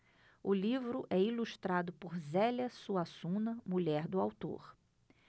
o livro é ilustrado por zélia suassuna mulher do autor